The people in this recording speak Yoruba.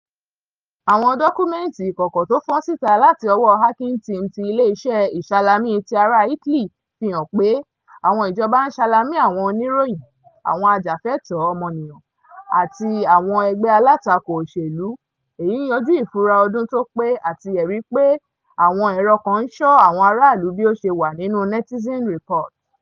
Àwọn dọ́kúmẹ́ntì ìkọ̀kọ̀ tó fọ́n síta láti ọwọ Hacking Team tí Ileeṣẹ́ ìṣalamí ti ará Italy, fi hàn pé àwọn ìjọba ń ṣalamí àwọn Oníròyìn, àwọn ajàfẹ̀tọ̀ọ́ ọmọniyan, àti àwọn ẹgbẹ́ alátakò òṣèlú - èyí yanjú ìfura ọdún tó pé àti ẹrí pé àwọn ẹ̀rọ kán ń ṣọ́ àwọn aráàlú bí ó ṣe wà nínú Netizen Report.